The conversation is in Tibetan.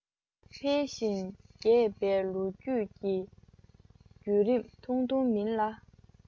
འཕེལ ཞིང རྒྱས པའི ལོ རྒྱུས ཀྱི རྒྱུད རིམ ཐུང ཐུང མིན ལ